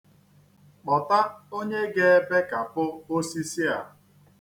Kpọta onye ga-ebekapụ osisi a.